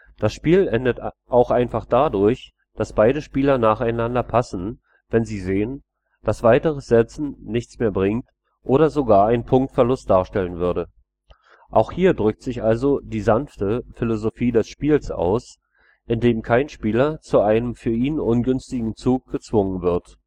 Das Spiel endet auch einfach dadurch, dass beide Spieler nacheinander passen, wenn sie sehen, dass weiteres Setzen nichts mehr bringt oder sogar einen Punktverlust darstellen würde. Auch hier drückt sich also die „ sanfte “Philosophie des Spiels aus, indem kein Spieler zu einem für ihn ungünstigen Zug gezwungen wird